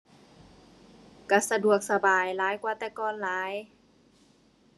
ก็สะดวกสบาย หลายกว่าแต่ก่อนหลาย